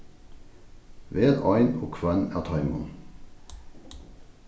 vel ein og hvønn av teimum